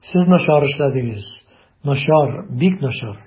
Сез начар эшләдегез, начар, бик начар.